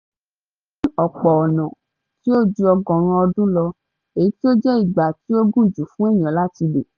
Báwo ni o ṣe lérò pé bí wọ́n ṣe gbà ọ́ sìn ṣe ní ipa lórí ìwárìrì fún ìdámọ̀ rẹ?